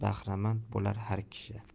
bahramand bo'lar har kishi